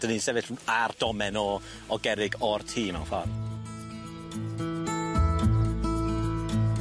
'Dan ni'n sefyll m- ar domen o o gerrig o'r tŷ mewn ffor.